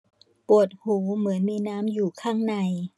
ปวดหูเหมือนมีน้ำอยู่ข้างใน